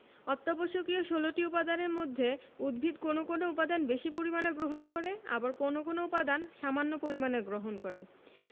অত্যাবশ্যকীয় ১৬ টি উপাদানের মধ্যে উদ্ভিদ কোনো কোনো উপাদান বেশি পরিমাণে গ্রহণ করে আবার কোনো কোনো উপাদান সামান্য পরিমাণে গ্রহণ করে